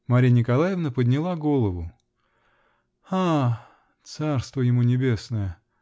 Марья Николаевна подняла голову. -- А! царство ему небесное!